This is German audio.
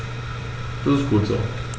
Das ist gut so.